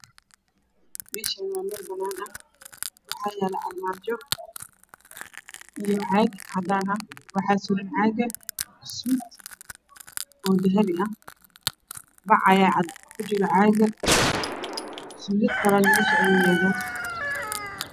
Meshan waa mel banan ah waxa yalo armaajo io caag cadan ah waxa suran caag suud oo dahbi ah bac aya kujiro caag suudkalena mesh oow yala